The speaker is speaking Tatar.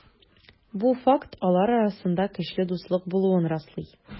Бу факт алар арасында көчле дуслык булуын раслый.